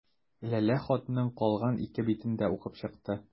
Ләлә хатның калган ике битен дә укып чыкты.